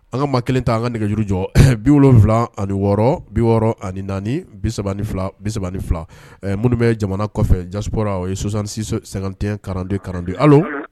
An ka ma kelen ta an ka nɛgɛjuru jɔ bi wolonwula ani wɔɔrɔ bi wɔɔrɔ ani naani bisa fila bisa ni fila minnu bɛ jamana kɔfɛ jaa ye sonsanso sante kalanden kalante